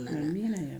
Amiina